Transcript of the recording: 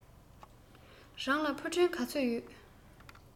རང ལ ཕུ འདྲེན ག ཚོད ཡོད